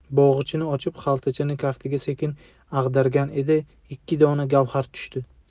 bog'ichini ochib xaltachani kaftiga sekin ag'dargan edi ikki dona gavhar tushdi